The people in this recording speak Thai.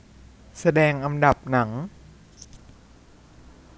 แสดงอันดับหนัง